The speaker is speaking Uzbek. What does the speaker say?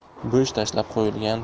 bo'sh tashlab qo'yilgan